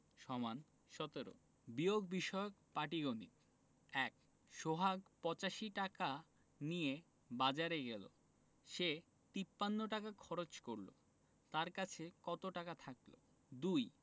= ১৭ বিয়োগ বিষয়ক পাটিগনিত ১ সোহাগ ৮৫ টাকা নিয়ে বাজারে গেল সে ৫৩ টাকা খরচ করল তার কাছে কত টাকা থাকল ২